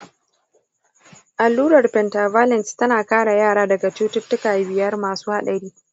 allurar pentavalent tana kare yara daga cututtuka biyar masu haɗari.